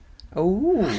Ww!